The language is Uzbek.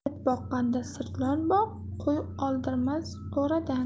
it boqqanda sirtlon boq qo'y oldirmas qo'radan